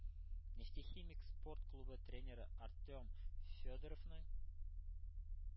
«нефтехимик» спорт клубы тренеры артем федоровның